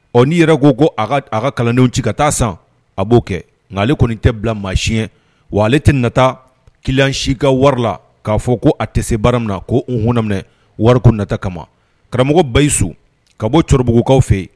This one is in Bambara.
Ɔ' yɛrɛ ko ko a a ka kalandenw ci ka taa san a b'o kɛ nka ale kɔni tɛ bila maa siɲɛ wa ale te nata ki si ka wari la k'a fɔ ko a tɛ se baara min minna ko u hɔnminɛ wariku nata kama karamɔgɔ bayi su ka bɔ c cɛkɔrɔbaorobugukaw fɛ yen